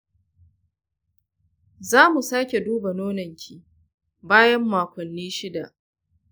za mu sake duba nononki bayan makonni shida.